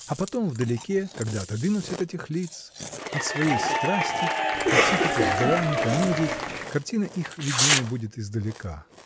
А потом, вдалеке, когда отодвинусь от этих лиц, от своей страсти, от всех этих драм и комедий, — картина их виднее будет издалека.